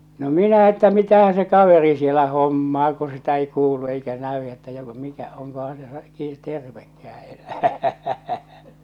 no minä että mitähän se kaveri siellä hommaa kun sitä ei kuulu eikä näy että joko mikä onkohan se - tervekään enää